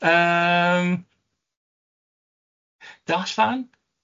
Yym, dallan?